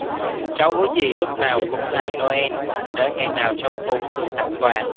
cháu ước gì lúc nào cũng là noel để ngày nào cháu cũng được tặng quà